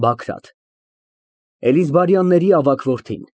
ԲԱԳՐԱՏ ֊ Էլիզբարյանների ավագ որդին։